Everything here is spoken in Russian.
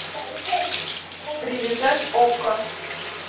привязать окко